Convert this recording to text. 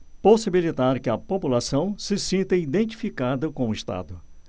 possibilitar que a população se sinta identificada com o estado